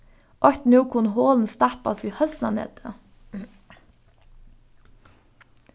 eitt nú kunnu holini stappast við høsnaneti